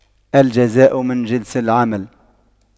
الجزاء من جنس العمل